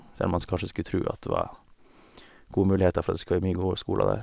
Selv om man s kanskje skulle tru at det var gode muligheter for at det skal være mye gode skoler der.